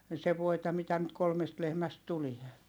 se voita mitä nyt kolmesta lehmästä tulee